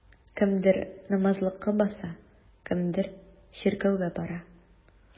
Кемдер намазлыкка басса, кемдер чиркәүгә бара.